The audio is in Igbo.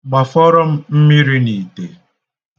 Gbafọrọ m mmiri n'ite.